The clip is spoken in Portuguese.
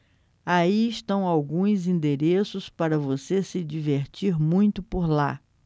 aí estão alguns endereços para você se divertir muito por lá